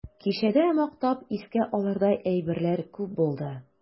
Кичәдә мактап искә алырдай әйберләр күп булды.